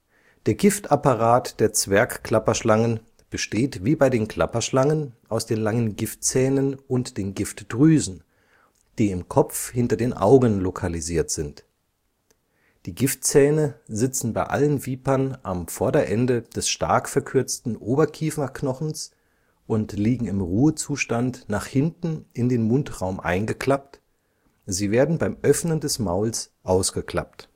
Der Giftapparat der Zwergklapperschlangen besteht wie bei den Klapperschlangen aus den langen Giftzähnen und den Giftdrüsen, die im Kopf hinter den Augen lokalisiert sind. Die Giftzähne sitzen bei allen Vipern am Vorderende des stark verkürzten Oberkieferknochens und liegen im Ruhezustand nach hinten in den Mundraum eingeklappt, sie werden beim Öffnen des Mauls ausgeklappt